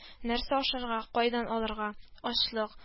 Нәрсә ашарга, кайдан алырга? Ачлык